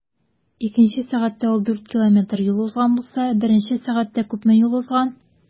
Икенче сәгатьтә ул 4 км юл узган булса, беренче сәгатьтә күпме юл узган?